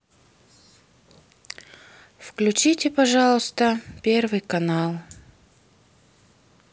включите пожалуйста первый канал